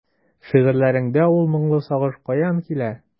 Шигырьләреңдәге ул моңлы сагыш каян килә?